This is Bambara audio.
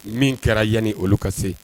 Min kɛra yanni olu ka se